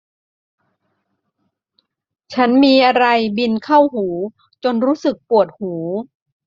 ฉันมีอะไรบินเข้าหูจนรู้สึกปวดหู